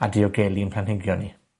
a diogeli'n planhigion ni.